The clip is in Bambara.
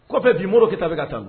Kɔfɛ bin muru kita bɛ ka taa